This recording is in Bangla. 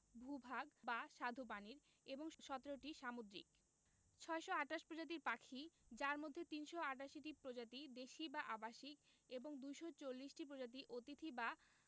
ভূ ভাগ বা স্বাদুপানির এবং ১৭টি সামুদ্রিক ৬২৮ প্রজাতির পাখি যার মধ্যে ৩৮৮টি প্রজাতি দেশী বা আবাসিক এবং ২৪০ টি প্রজাতি অতিথি বা